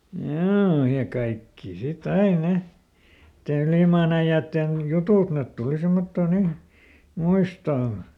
joo ja kaikki sitten aina ne niiden ylimaan äijien jutut ne tuli semmottoon niin muistoon